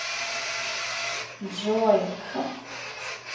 джой х